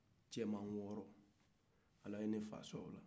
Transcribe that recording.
cɛman wɔɔrɔ ala ye ne fa sɔn ola